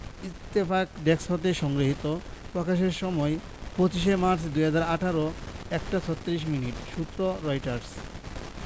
Ittefaq desk হতে সংগৃহীত প্রকাশের সময় ২৫শে মার্চ ২০১৮ ১ টা ৩৬ মিনিট সূত্রঃ রয়টার্স